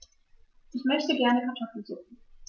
Ich möchte gerne Kartoffelsuppe.